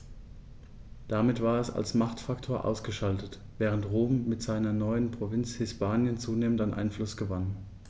Damit war es als Machtfaktor ausgeschaltet, während Rom mit seiner neuen Provinz Hispanien zunehmend an Einfluss gewann.